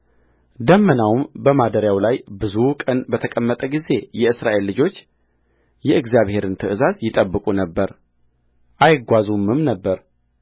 ደመናውም በማደሪያው ላይ ብዙ ቀን በተቀመጠ ጊዜ የእስራኤል ልጆች የእግዚአብሔርን ትእዛዝ ይጠብቁ ነበር አይጓዙምም ነበር